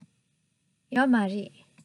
ཡོད མ རེད